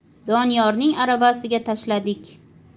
doniyorning aravasiga tashladik